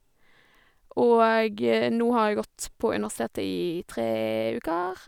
Og nå har jeg gått på universitetet i tre uker.